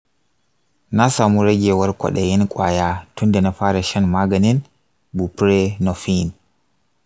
na samu ragewar kwaɗayin ƙwaya tun da na fara shan maganin buprenorphine.